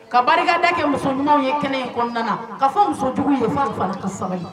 Ka barikada kɛ musominw ye kɛnɛ in kɔnɔna ka fɔ musojugu ye ka sabali